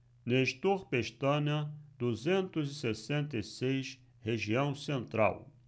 nestor pestana duzentos e sessenta e seis região central